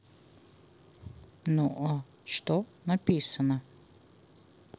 ну а что написано